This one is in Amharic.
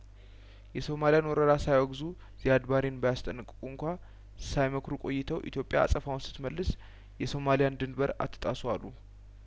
የሶማሊያን ወረራ ሳያወግዙ ዚያድባሬን ባያስጠነቅቁ እንኳ ሳይመክሩ ቆይተው ኢትዮጵያ አጸፋውን ስትመልስ የሶማሊያን ድንበር አትጣሱ አሉ